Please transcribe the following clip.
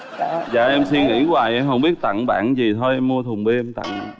dạ em suy nghĩ hoài em hổng biết tặng bạn cái gì thôi em mua thùng bia em tặng